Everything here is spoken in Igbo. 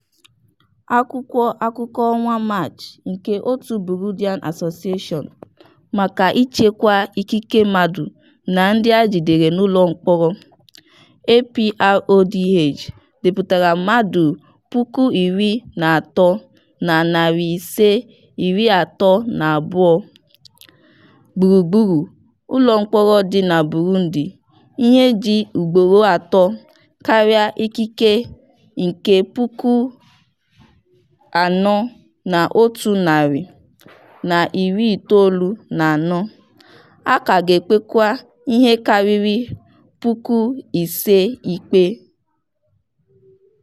Akwụkwọ akụkọ ọnwa Maachị nke òtù Burundian Association for Protecting Human Rights and Statained Persons (APRODH) depụtara mmadụ 13,532 gburugburu ụlọmkpọrọ dị na Burundi, ihe ji ugboro atọ karịa ikike nke 4,194; A ka ga-ekpekwa ihe karịrị 5,000 ikpe.